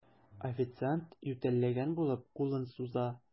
Официант, ютәлләгән булып, кулын суза.